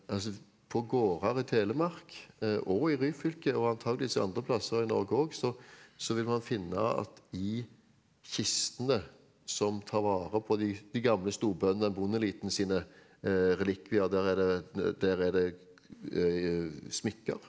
altså på gårder i Telemark og i Ryfylke og antageligvis andre plasser i Norge òg så så vil man finne at i kistene som tar vare på de de gamle storbøndene bondeeliten sine relikvier der er det der er det smykker.